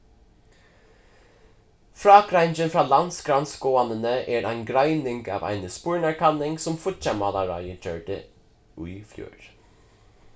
frágreiðingin frá landsgrannskoðanini er ein greining av eini spurnakanning sum fíggjarmálaráðið gjørdi í fjør